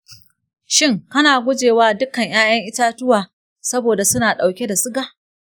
shin kana guje wa dukkan ’ya’yan itatuwa saboda suna dauke da suga?